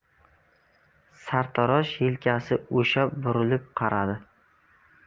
sartarosh yelkasi osha burilib qaradi